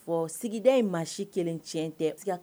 Sigida in maa si kelen tiɲɛ tɛ